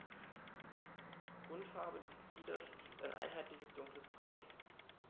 Grundfarbe des Gefieders ist ein einheitliches dunkles Braun.